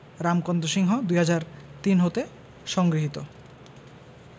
রামকান্ত সিংহ ২০০৩ হতে সংগৃহীত